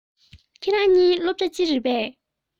ཁྱེད རང གཉིས སློབ གྲ གཅིག རེད པས